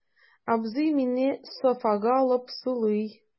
Абзый мине софага алып сылый.